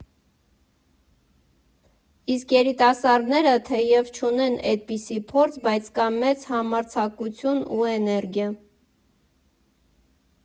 Իսկ երիտասարդները թեև չունեն էդպիսի փորձ, բայց կա մեծ համարձակություն ու էներգիա։